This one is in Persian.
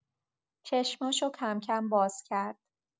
چشماشو کم‌کم باز کرد.